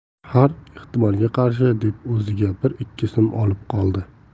har ehtimolga qarshi deb o'ziga bir ikki so'm olib qoldi